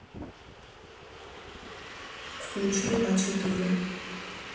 включи а четыре